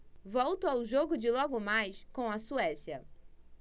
volto ao jogo de logo mais com a suécia